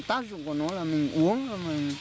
tác dụng của nó là mình uống